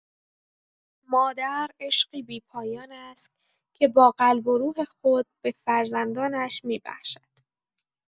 مادر عشقی بی‌پایان است که با قلب و روح خود به فرزندانش می‌بخشد.